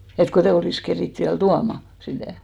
että kun ei olisi keritty vielä tuomaan sitä